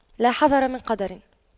لا حذر من قدر